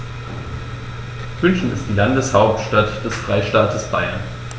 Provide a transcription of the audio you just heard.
München ist die Landeshauptstadt des Freistaates Bayern.